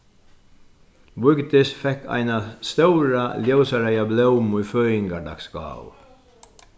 vígdis fekk eina stóra ljósareyða blómu í føðingardagsgávu